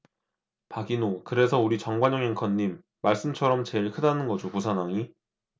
박인호 그래서 우리 정관용 앵커님 말씀처럼 제일 크다는 거죠 부산항이